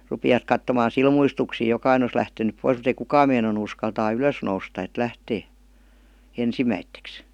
rupesivat katsomaan silmuistuksin jokainen olisi lähtenyt pois mutta ei kukaan meinannut uskaltaa ylös nousta että lähtee ensimmäiseksi